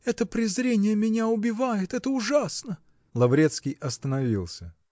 Это презрение меня убивает, это ужасно! Лаврецкий остановился.